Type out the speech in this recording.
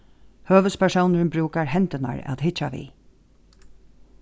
høvuðspersónurin brúkar hendurnar at hyggja við